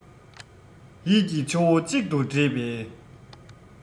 ཡིད ཀྱི ཆུ བོ གཅིག ཏུ འདྲེས པའི